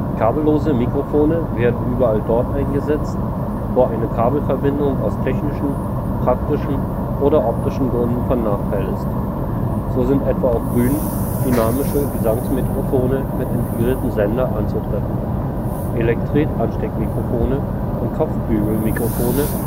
Kabellose Mikrofone werden überall dort eingesetzt, wo eine Kabelverbindung aus technischen, praktischen oder optischen Gründen von Nachteil ist. So sind etwa auf Bühnen dynamische Gesangsmikrofone mit integriertem Sender (Bild) anzutreffen. Elektret-Ansteckmikrofone oder Kopfbügelmikrofone